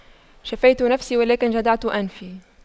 شفيت نفسي ولكن جدعت أنفي